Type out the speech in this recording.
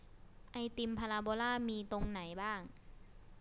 ไอติมพาราโบลามีตรงไหนบ้าง